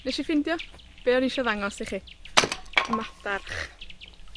Nesh i ffindio be' o'n i isio ddangos i chi, madarch.